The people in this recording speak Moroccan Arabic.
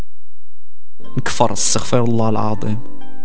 استغفر الله العظيم